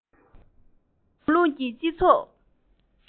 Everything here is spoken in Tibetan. ཞིང ཕྲན ལམ ལུགས ཀྱི སྤྱི ཚོགས